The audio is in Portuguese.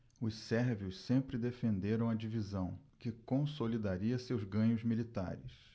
os sérvios sempre defenderam a divisão que consolidaria seus ganhos militares